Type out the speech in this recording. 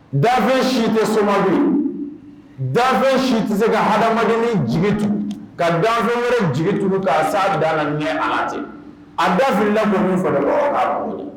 Dafe si tɛ soma dafɛn si tɛ se ka hadamadnin jigitu ka dafɛn wɛrɛ jigitu ka sa da la ɲɛ ala a da fili